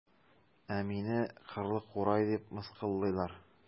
Ә мине кырлы курай дип мыскыллыйлар.